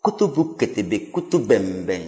kutubu-ketebe kutubɛnbɛn